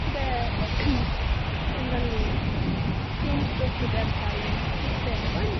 Så det er en veldig fin sport å delta i i flere land.